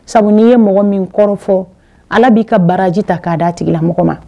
Sabu ni ye mɔgɔ min kɔrɔfɔ fɔ ala b'i ka baraji ta k'a d da a tigila mɔgɔ ma